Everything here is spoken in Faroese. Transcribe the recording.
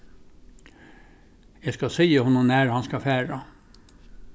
eg skal siga honum nær hann skal fara